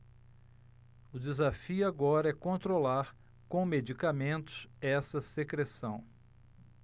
o desafio agora é controlar com medicamentos essa secreção